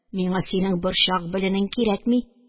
Миңа синең борчак беленең кирәкми